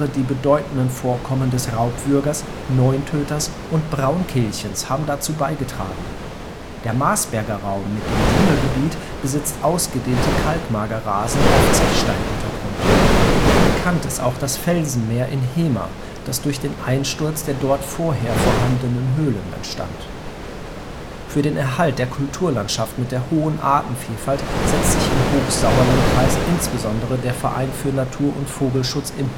die bedeutenden Vorkommen des Raubwürgers, Neuntöters und Braunkehlchens haben dazu beigetragen. Der Marsberger Raum mit dem Diemelgebiet besitzt ausgedehnte Kalkmagerrasen auf Zechsteinuntergrund. Bekannt ist auch das Felsenmeer in Hemer, das durch den Einsturz der dort vorher vorhandenen Höhlen entstand. Für den Erhalt der Kulturlandschaft mit der hohen Artenvielfalt setzt sich im Hochsauerlandkreis insbesondere der Verein für Natur - und Vogelschutz im Hochsauerlandkreis